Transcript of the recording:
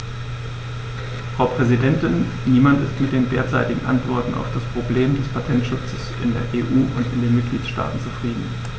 Frau Präsidentin, niemand ist mit den derzeitigen Antworten auf das Problem des Patentschutzes in der EU und in den Mitgliedstaaten zufrieden.